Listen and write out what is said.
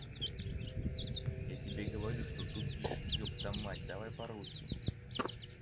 я тебе говорю что тупишь ептамать давай по русски